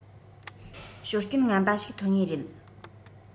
ཞོར སྐྱོན ངན པ ཞིག ཐོན ངེས རེད